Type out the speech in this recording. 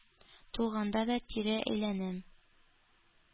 Тулганда да тирә-әйләнәм.